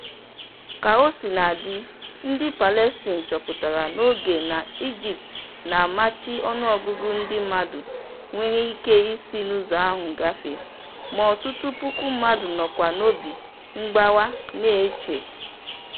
Kaosinadị, ndị Palestine chọpụtara n'oge na Egypt na-amachi ọnụọgụgụ ndị mmadụ nwere ike isi n'ụzọ ahụ gafee, ma ọtụtụ puku mmadụ nọkwa n'obi mgbawa na-eche.